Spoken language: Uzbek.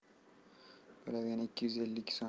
bo'ladigani ikki yuz ellik so'm